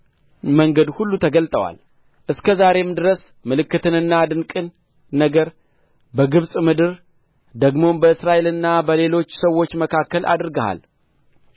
መንገድ ሁሉ ተገልጠዋል እስከ ዛሬም ድረስ ምልክትንና ድንቅን ነገር በግብጽ ምድር ደግሞም በእስራኤልና በሌሎች ሰዎች መካከል አድርገሃል